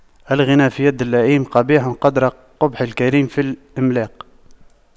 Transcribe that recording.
الغنى في يد اللئيم قبيح قدر قبح الكريم في الإملاق